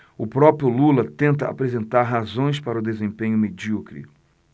o próprio lula tenta apresentar razões para o desempenho medíocre